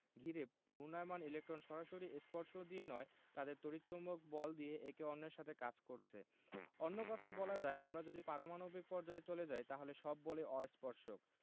ঘিরে ঘূর্ণায়মান ইলেকট্রন সরাসরি স্পর্শ দিয়ে নয় তাদের তড়িৎ চৌম্বক বল দিয়ে একে অন্যের সাথে কাজ করছে অন্য কথায় বলা যায় আমরা যদি পারমাণবিক পর্যায়ে চলে যাই তাহলে সব বলই অস্পর্শক